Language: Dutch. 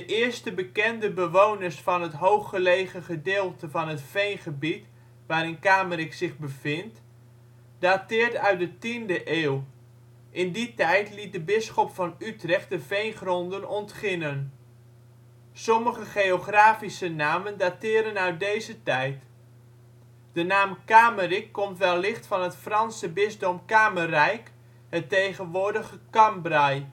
eerste bekende bewoning van het hooggelegen gedeelte van het veengebied waarin Kamerik zich bevindt, dateert uit de tiende eeuw. In die tijd liet de bisschop van Utrecht de veengronden ontginnen. Sommige geografische namen dateren uit deze tijd. De naam Kamerik komt wellicht van het Franse bisdom Kamerijk, het tegenwoordige Cambrai